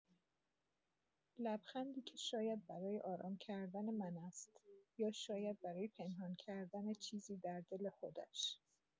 لبخندی که شاید برای آرام‌کردن من است، یا شاید برای پنهان کردن چیزی در دل خودش.